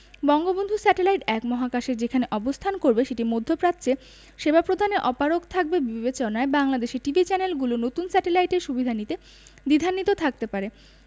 Bangabandhu satellite ১ মহাকাশের যেখানে অবস্থান করবে সেটি মধ্যপ্রাচ্যে সেবা প্রদানে অপারগ থাকবে বিবেচনায় বাংলাদেশের টিভি চ্যানেলগুলো নতুন স্যাটেলাইটের সুবিধা নিতে দ্বিধান্বিত থাকতে পারে